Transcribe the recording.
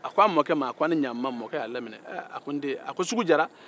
a ko a mɔkɛ ma a ko a ni ɲakuma mɔkɔ y'a laminɛ eee a ko n den a ko sugu diyara